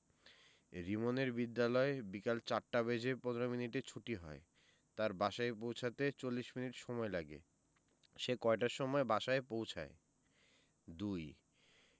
রিমনের বিদ্যালয় বিকাল ৪ টা বেজে ১৫ মিনিটে ছুটি হয় তার বাসায় পৌছাতে ৪০ মিনিট সময়লাগে সে কয়টার সময় বাসায় পৌছায় ২